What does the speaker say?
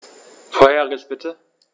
Vorheriges bitte.